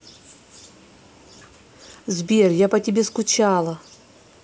сбер я по тебе скучала